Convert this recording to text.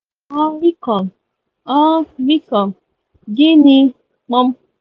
Uh, uh, gịnị.